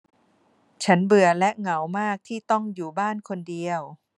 ฉันเบื่อและเหงามากที่ต้องอยู่บ้านคนเดียว